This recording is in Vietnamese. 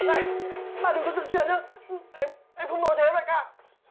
này bà đừng có dựng chuyện nhớ em em không nói thế đâu đại ca ạ